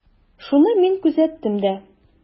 Шуны мин күзәттем дә.